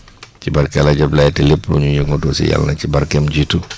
ci barke El Hadj Abdoulaye te lépp lu ñuy yëngatu aussi yal na ci barkeem jiitu